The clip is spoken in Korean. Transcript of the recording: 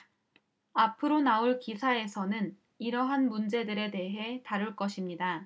앞으로 나올 기사에서는 이러한 문제들에 대해 다룰 것입니다